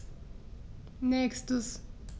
Nächstes.